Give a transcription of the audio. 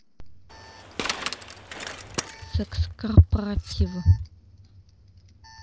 секс корпоративы